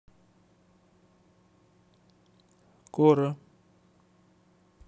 коро